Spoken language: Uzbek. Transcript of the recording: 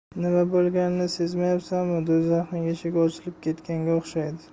nima bo'lganini sezmayapsanmi do'zaxning eshigi ochilib ketganga o'xshaydi